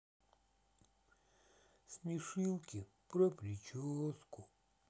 смешилки про прическу